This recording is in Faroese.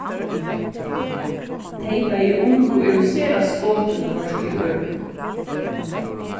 tey bæði ungu eru sera skotin hvørt í øðrum